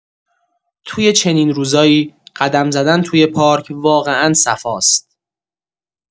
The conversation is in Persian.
توی چنین روزایی، قدم زدن توی پارک واقعا صفاست.